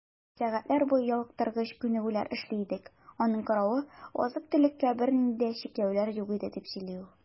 Без сәгатьләр буе ялыктыргыч күнегүләр эшли идек, аның каравы, азык-төлеккә бернинди дә чикләүләр юк иде, - дип сөйли ул.